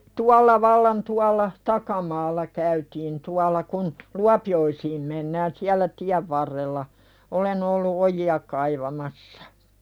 tuolla vallan tuolla takamaalla käytiin tuolla kun Luopioisiin mennään siellä tien varrella olen ollut ojia kaivamassa